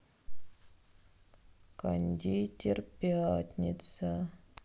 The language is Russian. кондитер пятница